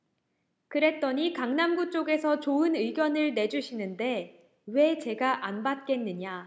그랬더니 강남구 쪽에서 좋은 의견을 내주시는데 왜 제가 안 받겠느냐